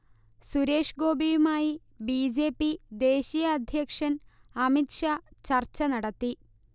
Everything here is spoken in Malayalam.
സുരേഷ് ഗോപിയുമായി ബി. ജെ. പി. ദേശീയഅധ്യക്ഷൻ അമിത്ഷാ ചർച്ച നടത്തി